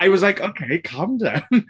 I was like "okay calm down!"